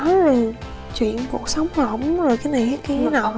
nói về chuyện cuộc sống của ổng rồi cái này cái kia cái nọ